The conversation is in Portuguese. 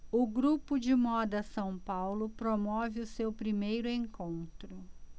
o grupo de moda são paulo promove o seu primeiro encontro